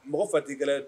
Mɔgɔ fati kɛlɛ